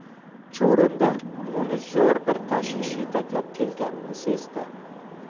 chuvrindi uni zo'r bir tashvish yetaklab kelganini sezdi